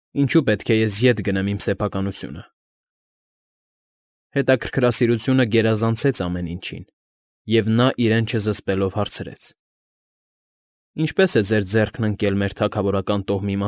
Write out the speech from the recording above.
Ինչո՞ւ պետք է ես ետ գնեմ իմ սեփականությունը…֊ Հետաքրքրասիրությունը գերազանցեց ամեն ինչին, և նա, իրեն չզսպելով, հարցրեց.֊ Ինչպե՞ս է ձեր ձեռքն ընկել մեր թագավորական տոհմի։